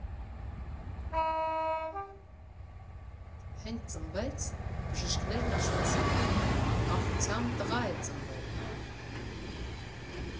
Հենց ծնվեց, բժիշկներն ասացին՝ «անկախության տղա» է ծնվել.